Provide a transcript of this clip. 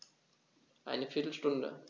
Eine viertel Stunde